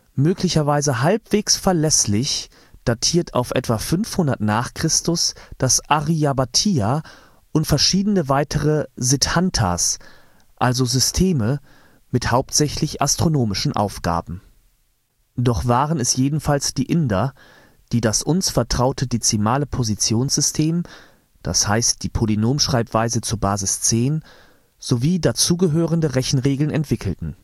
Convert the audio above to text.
Möglicherweise halbwegs verlässlich datiert auf etwa um 500 n. Chr. das Aryabhatiya und verschiedene weitere „ Siddhantas “(„ Systeme “, hauptsächlich astronomische Aufgaben). Doch waren es jedenfalls die Inder, die das uns vertraute dezimale Positionssystem, d. h. die Polynomschreibweise zur Basis 10 sowie dazugehörende Rechenregeln entwickelten